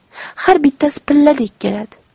har bittasi pilladek keladi